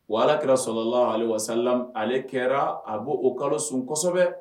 Wa alaki sɔrɔlala ale wasaali ale kɛra a bɔ o kalo sun kosɛbɛ